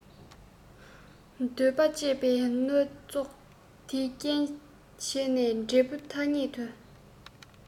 འདོད པ སྤྱད པས མནོལ བཙོག དེས རྐྱེན བྱས ནས འབྲས བུའི ཐ སྙད དུ